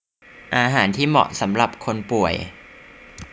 อาหารที่เหมาะสำหรับคนป่วย